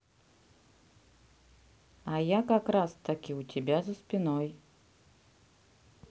а я как раз таки у тебя за спиной